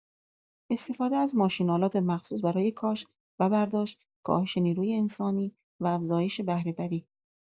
استفاده از ماشین‌آلات مخصوص برای کاشت و برداشت، کاهش نیروی انسانی و افزایش بهره‌وری